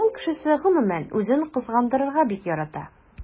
Авыл кешесе гомумән үзен кызгандырырга бик ярата.